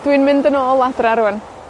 Dwi'n mynd yn ôl adra rŵan.